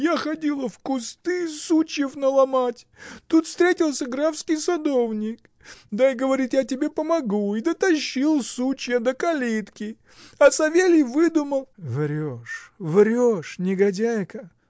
Я ходила в кусты, сучьев наломать, тут встретился графский садовник: дай, говорит, я тебе помогу, и дотащил сучья до калитки, а Савелий выдумал. — Врешь, врешь, негодяйка!